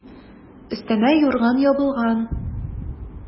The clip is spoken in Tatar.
Өстемә юрган ябылган.